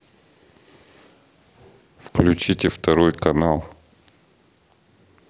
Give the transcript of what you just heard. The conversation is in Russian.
включите второй канал